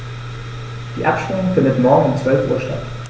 Die Abstimmung findet morgen um 12.00 Uhr statt.